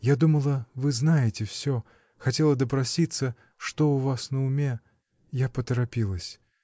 Я думала, вы знаете всё, хотела допроситься, что у вас на уме. Я поторопилась.